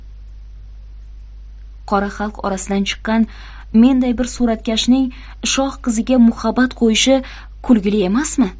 qora xalq orasidan chiqqan menday bir suratkashning shoh qiziga muhabbat qo'yishi kulgili emasmi